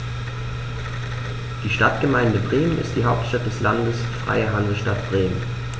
Die Stadtgemeinde Bremen ist die Hauptstadt des Landes Freie Hansestadt Bremen.